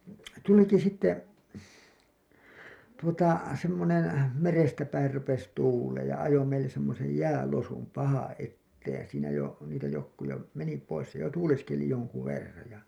tulikin sitten tuota semmoinen merestä päin rupesi tuulemaan ja ajoi meille semmoisen jäälosun pahaa eteen ja siinä jo niitä jotkut jo meni pois se jo tuuleskeli jonkun verran ja